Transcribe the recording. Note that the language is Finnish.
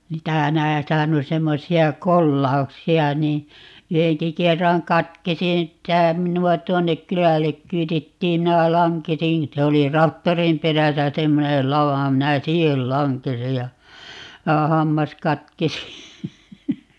niitä näitähän on semmoisia kolauksia niin yhdenkin kerran katkesi niin että minua tuonne kylälle kyydittiin minä lankesin se oli traktorin perässä semmoinen lava minä siihen lankesin ja ja hammas katkesi